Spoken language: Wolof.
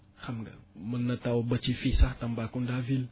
xam nga mën na taw ba ci fii sax tambacounda ville